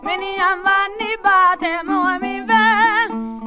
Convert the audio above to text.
miniyanba ni ba tɛ mɔgɔ min fɛ